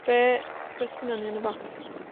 Be', be' sgynnon ni yn y bocs?